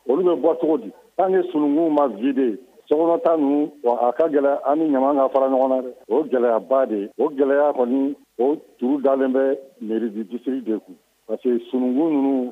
Olu bɛ bɔ cogo di an ye sunkun ma v de sokɔnɔta ninnu a ka gɛlɛya an ni ɲama ka fara ɲɔgɔn na dɛ o gɛlɛyaba de o gɛlɛya kɔni o tugu dalen bɛ miribidisiri de parce que sunkun ninnu